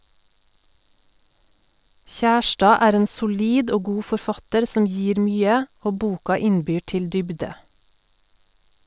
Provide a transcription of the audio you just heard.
Kjærstad er en solid og god forfatter som gir mye, og boka innbyr til dybde.